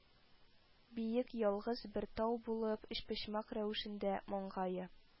Биек, ялгыз бер тау булып, өчпочмак рәвешендә, маңгае